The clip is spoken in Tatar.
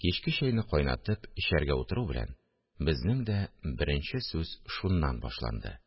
Кичке чәйне кайнатып, эчәргә утыру белән, безнең дә беренче сүз шуннан башланды